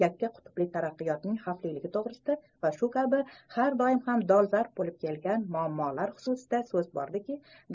yakka qutbli taraqqiyotning xavfliligi to'g'risida va shu kabi har doim ham dolzarb bo'lib kelgan muammolar xususida so'z bordiki